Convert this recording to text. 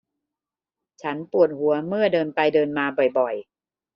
ฉันปวดหัวเมื่อเดินไปเดินมาบ่อยบ่อย